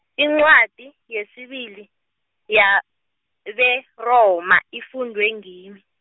incwadi, yesibili, yabeRoma ifundwe ngimi.